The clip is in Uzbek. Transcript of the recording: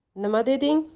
nima deding